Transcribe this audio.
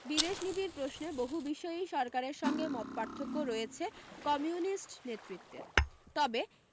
বিদেশনীতীর প্রশ্নে বহু বিষয়েই সরকারের সঙ্গে মতপার্থক্য রয়েছে কমিউনিস্ট নেতৃত্বের তবে